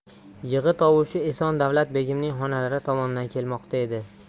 yig'i tovushi eson davlat begimning xonalari tomondan kelmoqda edi